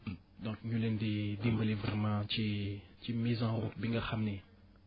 donc ñu leen di dimbali vraiment ci ci mise en route bi nga xam ni